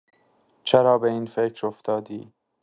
چرا به این فکر افتادی؟